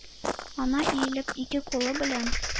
Ана, иелеп, ике кулы белән